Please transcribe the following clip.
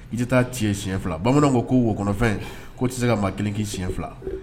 I tɛ taa ci siɲɛ fila bamananw ko ko wo kɔnɔfɛn ko tɛ se ka maa kelen k'i siɲɛ fila